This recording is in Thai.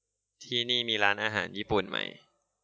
ที่นี่มีร้านอาหารญี่ปุ่นไหม